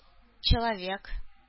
Человек